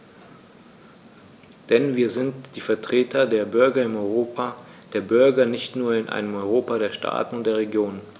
Denn wir sind die Vertreter der Bürger im Europa der Bürger und nicht nur in einem Europa der Staaten und der Regionen.